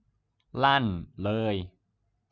ลั่นเลย